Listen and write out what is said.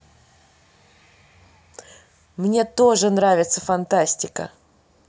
мне тоже нравится фантастика